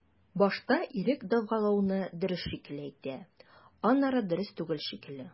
Башта ирек дәгъвалауны дөрес шикелле әйтә, аннары дөрес түгел шикелле.